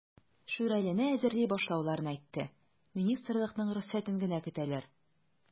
"шүрәле"не әзерли башлауларын әйтте, министрлыкның рөхсәтен генә көтәләр.